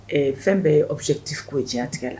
Fɛn bɛ pebijɛti k'o diɲɛ tigɛ la